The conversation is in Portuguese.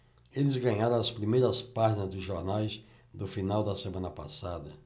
eles ganharam as primeiras páginas dos jornais do final da semana passada